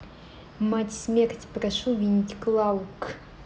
мать смерти прошу винить клаву к